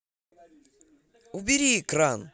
убери экран